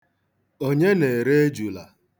Onye na-ere ejula?